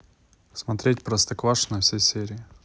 смотреть простоквашино все серии